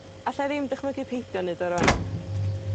Alla i ddim dychmygu peidio â neud rŵan. Ia.